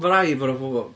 Ma' raid bod 'na pobol.